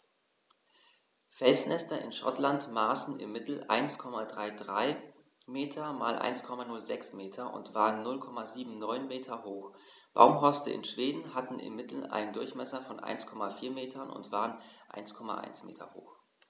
Felsnester in Schottland maßen im Mittel 1,33 m x 1,06 m und waren 0,79 m hoch, Baumhorste in Schweden hatten im Mittel einen Durchmesser von 1,4 m und waren 1,1 m hoch.